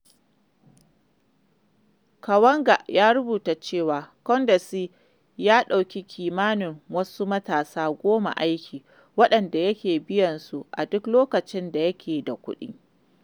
Kawanga ya rubuta cewa, Kondesi ya ɗauki kimanin wasu matasa goma aiki, waɗanda yake biyan su a duk lokacin da yake da kuɗi.